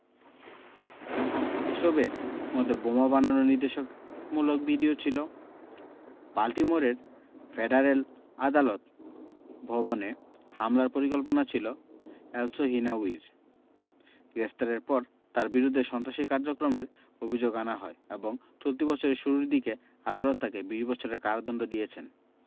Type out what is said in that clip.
এসবের মধ্যে বোমা বানানোর নির্দেশকমূলক ভিডিও ছিল বাল্টিমোরের ফেডারেল আদালত ভবনে হামলার পরিকল্পনা ছিল এলসহিনাউয়ির গ্রেপ্তারের পর তাঁর বিরুদ্ধে সন্ত্রাসী কার্যক্রমের অভিযোগ আনা হয় এবং চলতি বছরের শুরুর দিকে আদালত তাকে ২০ বছরের কারাদণ্ড দিয়েছেন